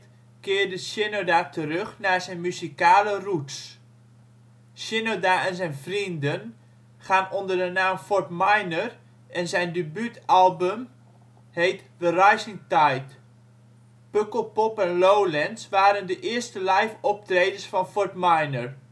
keerde Shinoda terug naar zijn muzikale roots. Shinoda en zijn vrienden gaan onder de naam Fort Minor en zijn debuutalbum heet The Rising Tied. Pukkelpop en Lowlands waren de eerste live optredens van Fort Minor. " Petrified